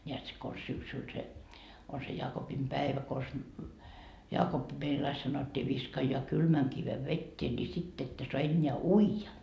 näet se konsa syksyllä se on se jaakopinpievä konsa Jaakoppi meillä aina sanottiin viskaa kylmän kiven veteen niin sitten ette saa enää uida